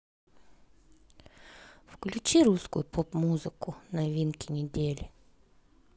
включи русскую поп музыку новинки недели